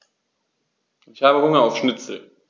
Ich habe Hunger auf Schnitzel.